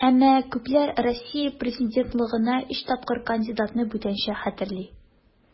Әмма күпләр Россия президентлыгына өч тапкыр кандидатны бүтәнчә хәтерли.